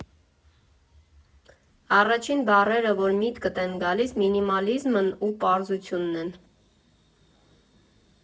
Առաջին բառերը, որ միտքդ են գալիս՝ մինիմալիզմն ու պարզությունն են։